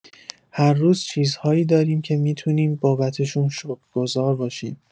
هر روز چیزهایی داریم که می‌تونیم بابتشون شکرگزار باشیم.